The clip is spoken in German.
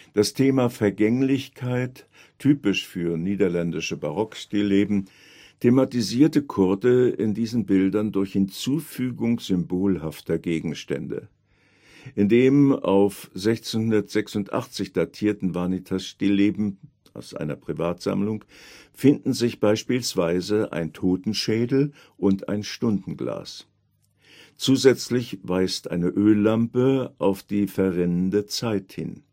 Das Thema Vergänglichkeit – typisch für niederländische Barockstillleben – thematisierte Coorte in diesen Bildern durch Hinzufügung symbolhafter Gegenstände. In dem auf 1686 datieren Vanitas-Stillleben (Privatsammlung) finden sich beispielsweise ein Totenschädel und ein Stundenglas. Zusätzlich weist eine Öllampe auf die verrinnende Zeit hin